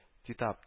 Титап